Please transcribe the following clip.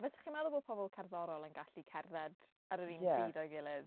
Faswch chi'n meddwl bod pobl cerddorol yn gallu cerdded ar yr...Ie ...un pryd a'i gilydd?